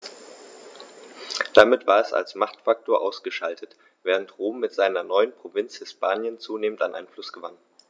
Damit war es als Machtfaktor ausgeschaltet, während Rom mit seiner neuen Provinz Hispanien zunehmend an Einfluss gewann.